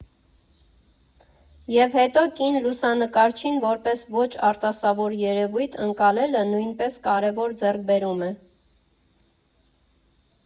֊ Եվ հետո կին լուսանկարչին՝ որպես ոչ արտասովոր երևույթ ընկալելը նույնպես կարևոր ձեռքբերում է։